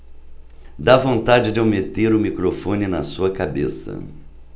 dá vontade de eu meter o microfone na sua cabeça